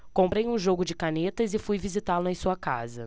comprei um jogo de canetas e fui visitá-lo em sua casa